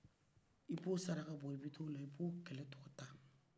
i b'o saraka bɔ i be taa ola i b'o kɛlɛ tɔgɔ ta